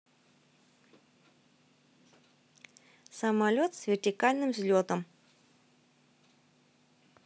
самолет с вертикальным взлетом